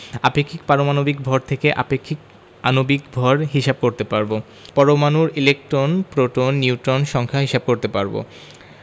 ⦁ আপেক্ষিক পারমাণবিক ভর থেকে আপেক্ষিক আণবিক ভর হিসাব করতে পারব ⦁ পরমাণুর ইলেকট্রন প্রোটন ও নিউট্রন সংখ্যা হিসাব করতে পারব